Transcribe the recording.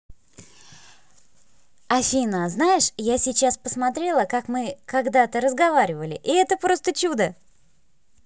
афина знаешь я сейчас посмотрела как мы когда то разговаривали и это просто чудо